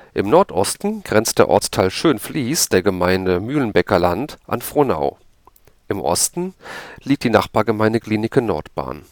Im Nordosten grenzt der Ortsteil Schönfließ der Gemeinde Mühlenbecker Land an Frohnau. Im Osten liegt die Nachbargemeinde Glienicke/Nordbahn